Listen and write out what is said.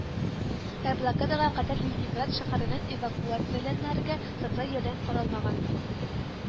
Ә блокадага кадәр Ленинград шәһәреннән эвакуацияләнгәннәргә социаль ярдәм каралмаган